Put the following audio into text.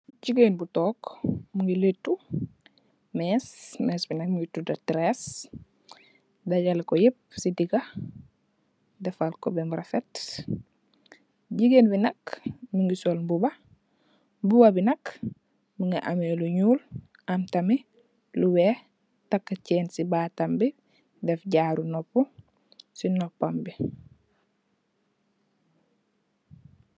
Jigéen bu tóóg mugii lèttu més, mès bi nak mugii tudda tress dejale ko yép ci diga defarr ko bem rafet. Jigéen bi nak mugii sol mbuba, mbuba bi nak mugii ameh lu ñuul am tamit lu wèèx tàkka cèèn ci batam bi, dèf jaru nopuh ci nopam bi.